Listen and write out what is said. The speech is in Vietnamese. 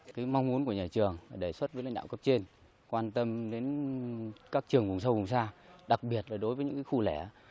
cái mong muốn của nhà trường đề xuất với lãnh đạo cấp trên quan tâm đến các trường vùng sâu vùng xa đặc biệt là đối với những khu lẻ